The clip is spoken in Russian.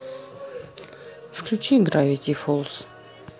включи гравити фоллс